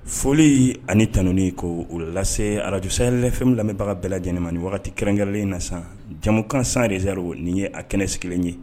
Foli ani tanununi ko o lase arajsa yɛrɛ fɛn lamɛnbaga bɛɛ lajɛlen ma ni wagati kɛrɛnkɛrɛnnen na sisan jamumukan san dezriro nin ye a kɛnɛ sigilen ye